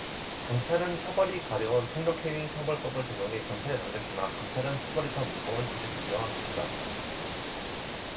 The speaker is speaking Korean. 경찰은 처벌이 가벼운 폭력행위처벌법을 적용해 검찰에 넘겼으나 검찰은 처벌이 더 무거운 죄를 적용한 것이다